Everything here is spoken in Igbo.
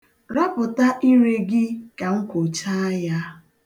Rapụta ire gị ka m kwochaa ya.